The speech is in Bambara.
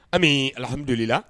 An bɛ alihamdulila